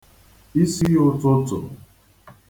isi ụ̄tụ̄tụ̄